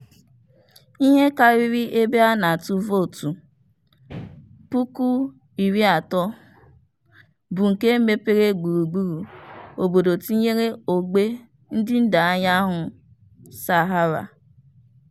Ihe kariri ebe a na-atụ votu 30,000 bụ nke e mepere gburugburu obodo tinyere ógbè ndịda anyanwụ Sahara.